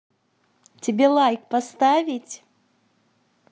тебе лайк поставить